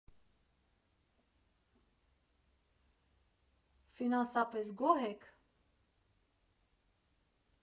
Ֆինանսապես գոհ ե՞ք։